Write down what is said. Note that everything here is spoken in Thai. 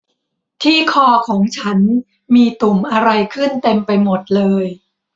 ที่คอของฉันมีตุ่มอะไรขึ้นเต็มไปหมดเลย